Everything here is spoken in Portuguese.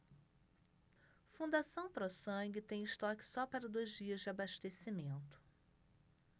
fundação pró sangue tem estoque só para dois dias de abastecimento